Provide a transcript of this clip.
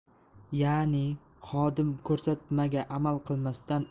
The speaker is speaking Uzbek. ya'ni xodim ko'rsatmaga amal qilmasdan